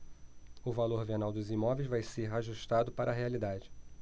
o valor venal dos imóveis vai ser ajustado para a realidade